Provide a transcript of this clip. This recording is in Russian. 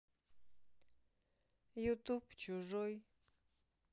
ютуб чужой